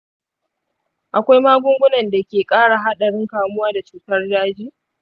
akwai magungunan da ke ƙara haɗarin kamuwa da cutar daji?